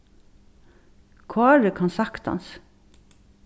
kári kann saktans